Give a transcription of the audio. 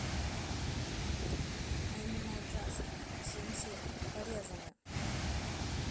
animal джаz джинсы порезаны